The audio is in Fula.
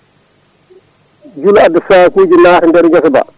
juula adda sakuji naata nder guesa ba